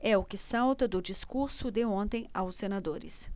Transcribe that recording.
é o que salta do discurso de ontem aos senadores